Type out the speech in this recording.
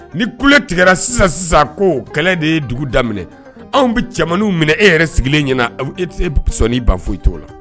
Ni kule tigɛra sisan sisan ko kɛlɛ de ye dugu daminɛ anw bɛ cɛmanw minɛ e yɛrɛ sigilen ɲɛna aw ese sɔn ba foyi' o la